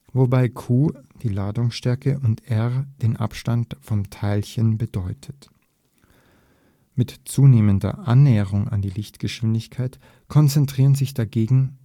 wobei Q die Ladungsstärke und R den Abstand vom Teilchen bedeutet. Mit zunehmender Annäherung an die Lichtgeschwindigkeit konzentrieren sich dagegen